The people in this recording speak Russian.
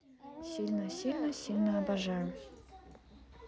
сильно сильно сильно обожаю